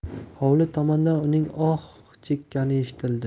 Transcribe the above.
hovli tomondan uning oh chekkani eshitildi